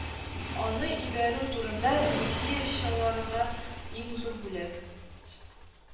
Аны ибәрү турында Русия чаларга иң зур бүләк